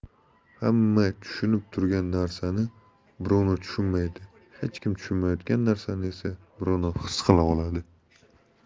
hamma tushunib turgan narsani bruno tushunmaydi hech kim tushunmayotgan narsani esa bruno his qila oladi